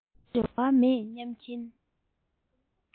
འབྲེལ བ མེད སྙམ གྱིན